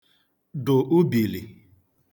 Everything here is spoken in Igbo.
dụ̀ ubìlì